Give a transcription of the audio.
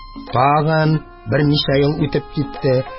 Тагын берничә ел үтеп китте.